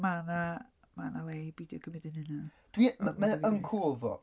Mae 'na... Mae 'na le i beidio cymryd ein hunain o ddifri... Mae o yn cŵl though.